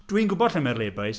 Dwi'n gwybod lle mae'r laybys,